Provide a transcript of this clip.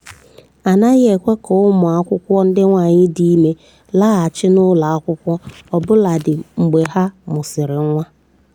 A naghị ekwe ka ụmụ akwụkwọ ndị nwaanyị dị ime laghachi n’ụlọ akwụkwọ ọbụladị mgbe ha mụsịrị nwa.